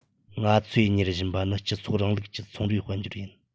ང ཚོས གཉེར བཞིན པ ནི སྤྱི ཚོགས རིང ལུགས ཀྱི ཚོང རའི དཔལ འབྱོར ཡིན